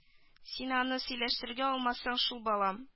Син аны сөйләштерә алмассың шул балам